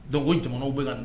Dɔnc o jamanaw bɛ ka